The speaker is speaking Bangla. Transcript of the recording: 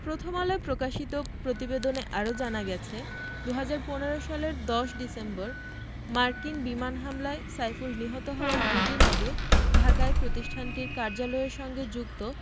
প্রথম আলোয় প্রকাশিত প্রতিবেদনে আরও জানা গেছে ২০১৫ সালের ১০ ডিসেম্বর মার্কিন বিমান হামলায় সাইফুল নিহত হওয়ার দুদিন আগে ঢাকায় প্রতিষ্ঠানটির কার্যালয়ের সঙ্গে যুক্ত